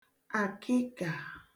àkịkà